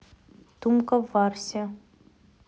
тумка в варсе